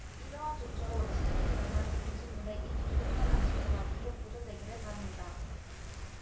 이러한 조처로 지중해 연안 동식물의 이 독특한 안식처가 계속 보존되기를 바랍니다